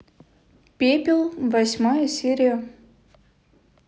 пепел восьмая серия